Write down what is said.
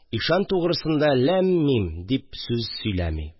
Ишан тугрысында ләммим дип сүз сөйләми